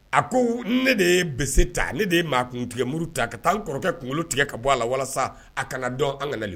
A ko ne de ye bese ta, ne de ye maakungolotigɛmuru ta ka taa n kɔrɔkɛ kungolo tigɛ ka bɔ a la, walasa a kana dɔn an kana lebu.